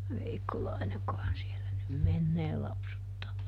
Veikkolainenkohan siellä nyt menee lapsuttaa